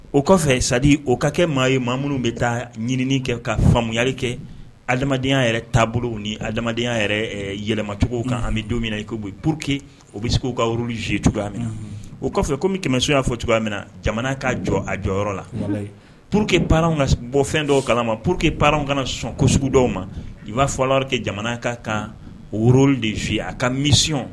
O kɔfɛ o ka kɛ maa ye maa minnu bɛ taa ɲinin kɛ ka faamuyayari kɛ adamadenya yɛrɛ taabolo ni adamadenya yɛrɛ yɛlɛmacogo kan an bɛ don min i ko pour queke o bɛ se k'u ka zi cogoya minɛ o kɔfɛ kɔmi kɛmɛso y'a fɔ cogoya min jamana ka jɔ a jɔyɔrɔ la pur que pan ka bɔ fɛn dɔw kala ma pur que panraw ka sɔn ko sugu dɔw ma i b'a fɔ kɛ jamana kan kan woro de f a ka misiy